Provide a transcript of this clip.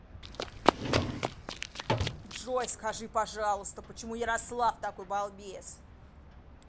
джой скажи пожалуйста почему ярослав такой балбес